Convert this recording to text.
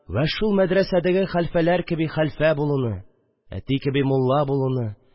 Вә шул мәдрәсәдәге хәлфәләр кеби хәлфә булуны, әти кеби мулла булуны